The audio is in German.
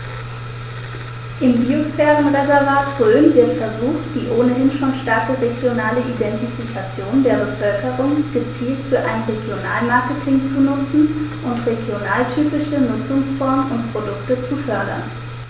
Im Biosphärenreservat Rhön wird versucht, die ohnehin schon starke regionale Identifikation der Bevölkerung gezielt für ein Regionalmarketing zu nutzen und regionaltypische Nutzungsformen und Produkte zu fördern.